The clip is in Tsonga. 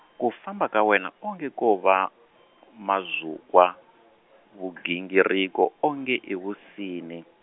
ku famba ka wena onge ko wa, mazukwa, vugingiriko onge i vunsini.